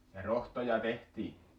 ja rohtoja tehtiin